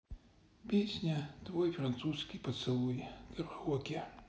песня твой французский поцелуй караоке